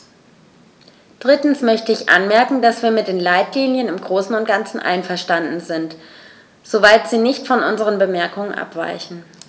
Drittens möchte ich anmerken, dass wir mit den Leitlinien im großen und ganzen einverstanden sind, soweit sie nicht von unseren Bemerkungen abweichen.